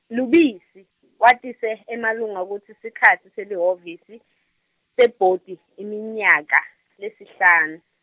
Lubisi, watise, emalunga kutsi, sikhatsi selihhovisi, sebhodi, iminyaka, lesihlanu.